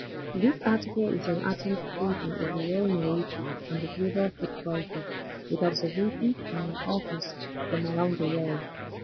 This article is an attempt to place an overall narrative on the global food crisis with observations from our authors from around the world.